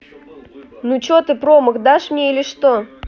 ну че ты промах дашь мне или что